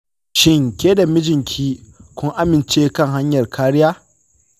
shin ke da mijinki kun amince kan hanyar kariya?